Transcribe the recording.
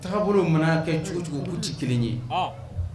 Taabolo bolo mana kɛ cogo cogo k' tɛ kelen ye